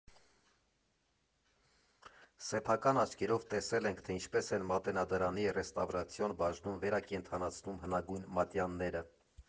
Սեփական աչքերով տեսել ենք, թե ինչպես են Մատենադարանի ռեստավրացիոն բաժնում վերակենդանացնում հնագույն մատյանները։